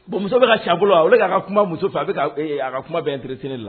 Bon muso bɛ ka ca bolo a ale k' ka kuma muso fɛ a bɛ a ka kuma bɛn n tretien la